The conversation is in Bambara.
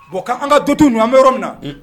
Bɔn k'an ka dontu ninnu an bɛ yɔrɔ min na